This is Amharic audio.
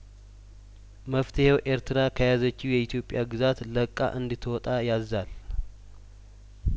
መፍትሄው ኤርትራ ከያዘችው የኢትዮጵያ ግዛት ለቃ እንድትወጣ ያዛል